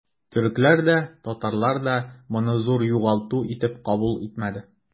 Төрекләр дә, татарлар да моны зур югалту итеп кабул итмәде.